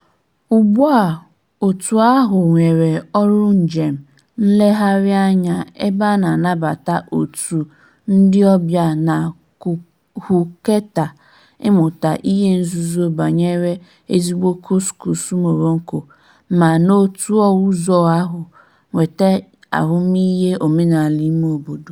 Ugbua òtù ahụ nwere ọrụ njem nlegharịanya ebe a na-anabata òtù ndị ọbịa na Khoukhate ịmụta ihe nzuzo banyere ezigbo Couscous Morocco, ma n'otu ụzọ ahụ nweta ahụmiihe omenala imeobodo.